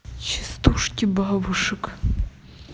частушки бабушек